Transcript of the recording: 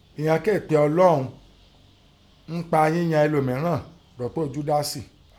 Inán ké pe Ọlọ́un ńpa yẹ́yan ẹlòmírìn rọ́pò Júdásì.